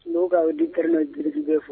N'o kao di kelen du bɛ fɔ